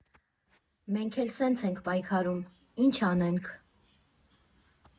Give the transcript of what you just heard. Մենք էլ սենց ենք պայքարում, ի՞նչ անենք։